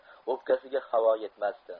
o'pkasiga havo yetmasdi